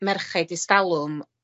merchaid e's dalwm